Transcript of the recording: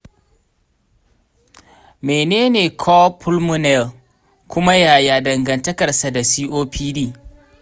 menene cor pulmonale kuma yaya dangantakar sa da copd?